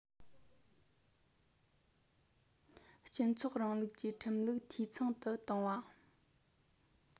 སྤྱི ཚོགས རིང ལུགས ཀྱི ཁྲིམས ལུགས འཐུས ཚང དུ གཏོང བ